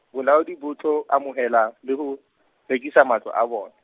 Bolaodi bo tla amohela, le ho rekisa matlo a bona.